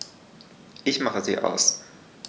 Ich mache sie aus.